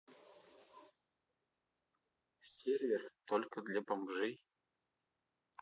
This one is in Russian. сервер только для бомжей